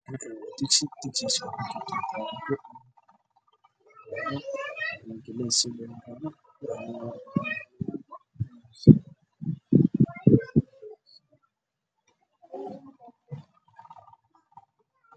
Hal kan waa dugsi